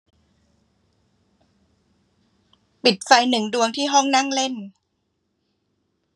ปิดไฟหนึ่งดวงที่ห้องนั่งเล่น